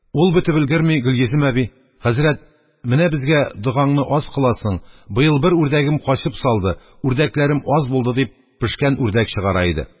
Ул бетеп өлгерми, Гөлйөзем әби: – Хәзрәт, менә безгә догаңны аз кыласың, быел бер үрдәгем качып салды, үрдәкләрем аз булды, – дип, пешкән үрдәк чыгара иде.